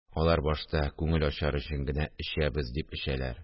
– алар башта күңел ачар өчен генә эчәбез дип эчәләр